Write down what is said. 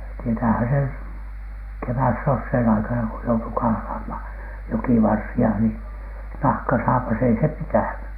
tietäähän sen kevätsoseen aikana kun joutui kahlaamaan jokivarsia niin nahkasaapas ei se pitänyt